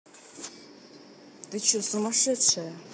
ты че сумасшедшая